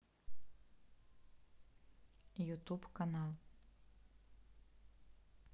ютуб канал